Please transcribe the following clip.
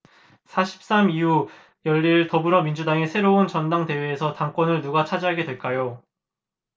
사 십 삼 이후 열릴 더불어민주당의 새로운 전당대회에서 당권을 누가 차지하게 될까요